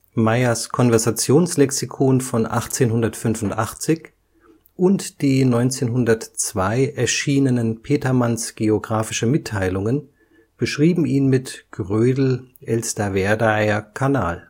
Meyers Konversations-Lexikon von 1885 und die 1902 erschienen Petermanns Geographische Mitteilungen beschrieben ihn mit Grödel-Elsterwerdaer Kanal